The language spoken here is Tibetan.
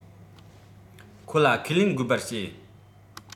ཁོ ལ ཁས ལེན དགོས པར བྱས